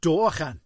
Do, ychan.